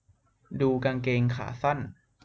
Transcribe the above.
ดูกางเกงขาสั้น